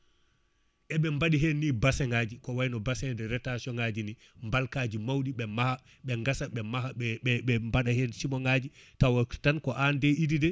eɓe mbaɗi henni bassin ngaji ko wayno bassin de retation ngji ɗi balkaji mawɗi ɓe maaha ɓe gaasa ɓe maaha ɓe ɓe mbaɗa hen simon naji tawat tan ko an de Idy de